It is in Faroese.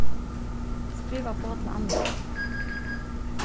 skriva boð til anniku